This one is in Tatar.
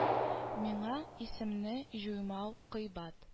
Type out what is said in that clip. Миңа исемне җуймау кыйбат